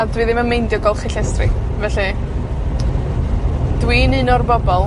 A dwi ddim yn meindio golchi llestri, felly, dwi'n un o'r bobol